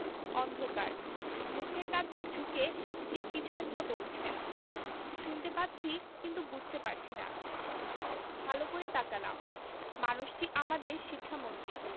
অন্ধকার মুখের কাছে ঝুঁকে কেউ কিছু একটা বলছেন শুনতে পাচ্ছি কিন্তু বুঝতে পারছি না ভালো করে তাকালাম মানুষটি আমাদের শিক্ষামন্ত্রী